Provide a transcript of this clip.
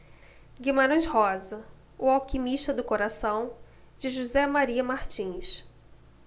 guimarães rosa o alquimista do coração de josé maria martins